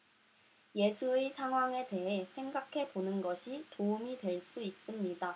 예수의 상황에 대해 생각해 보는 것이 도움이 될 수 있습니다